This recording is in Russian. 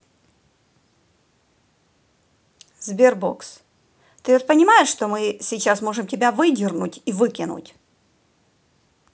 sberbox ты вот понимаешь то что мы сейчас можем тебя выдернуть и выкинуть